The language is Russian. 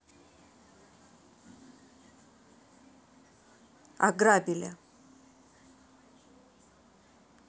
ограбили